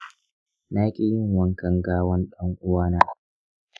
naki yin wankan gawan dan'uwana